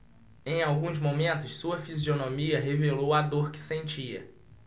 em alguns momentos sua fisionomia revelou a dor que sentia